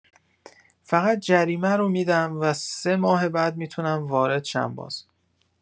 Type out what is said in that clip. فقط جریمه رو می‌دم و سه ماه بعد می‌تونم وارد شم باز.